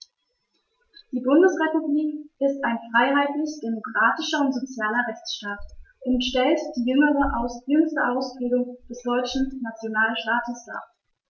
Die Bundesrepublik ist ein freiheitlich-demokratischer und sozialer Rechtsstaat und stellt die jüngste Ausprägung des deutschen Nationalstaates dar.